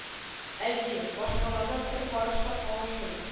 Әйе, башкалардан бер карыш та калышмый